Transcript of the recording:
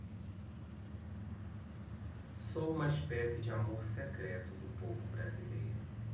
sou uma espécie de amor secreto do povo brasileiro